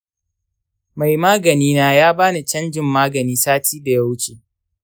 mai magani na ya bani canjin magani sati da ya wuce.